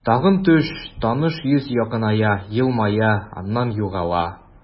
Тагын төш, таныш йөз якыная, елмая, аннан югала.